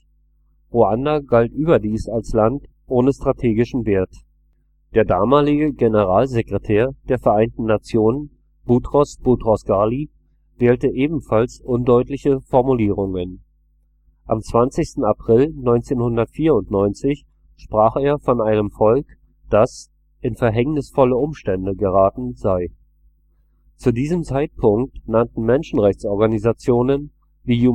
Ruanda galt überdies als Land ohne strategischen Wert. Der damalige Generalsekretär der Vereinten Nationen, Boutros Boutros-Ghali, wählte ebenfalls undeutliche Formulierungen. Am 20. April 1994 sprach er von einem Volk, das in „ verhängnisvolle Umstände geraten “sei. Zu diesem Zeitpunkt nannten Menschenrechtsorganisationen wie